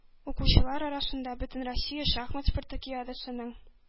Укучылар арасында бөтенроссия шахмат спартакиадасының